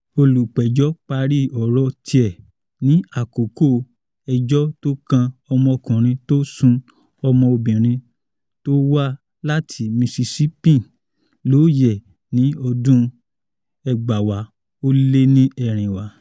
Olùpẹ̀jọ́ parí ọ̀rọ̀ tiẹ̀ ní àkókò ẹjọ́ tó kan ọmọkùnrin tó sun ọmọbìnrin tó wá láti Mississippi lóòyẹ̀ ní ọdún 2014.